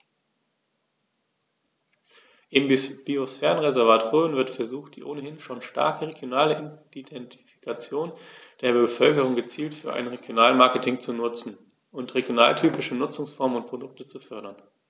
Im Biosphärenreservat Rhön wird versucht, die ohnehin schon starke regionale Identifikation der Bevölkerung gezielt für ein Regionalmarketing zu nutzen und regionaltypische Nutzungsformen und Produkte zu fördern.